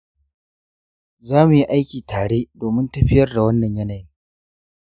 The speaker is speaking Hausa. za mu yi aiki tare domin tafiyar da wannan yanayin.